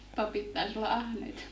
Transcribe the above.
papit taisi olla ahneita